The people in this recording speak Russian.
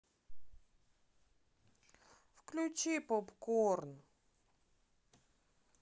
включи попкорн